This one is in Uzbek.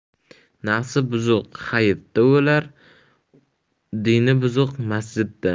nafsi buzuq hayitda o'lar dini buzuq masjidda